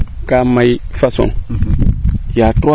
kaa may facon y' a trois facon